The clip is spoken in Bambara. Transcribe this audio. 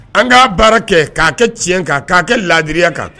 An k'a baara kɛ k'a kɛ tiɲɛ kan k'a kɛ laadiriyaya kan.